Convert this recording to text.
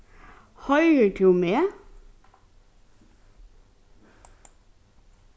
hoyrir tú meg